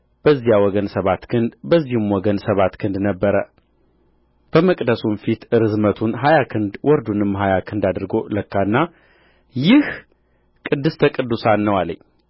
በዚህ ወገን ሰባት ክንድ በዚያም ወገን ሰባት ክንድ ነበረ በመቅደሱም ፊት ርዘመቱን ሀያ ክንድ ወርዱንም ሀያ ክንድ አድርጎ ለካና ይህ ቅድስተ ቅዱሳን ነው አለኝ